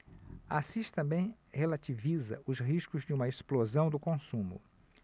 assis também relativiza os riscos de uma explosão do consumo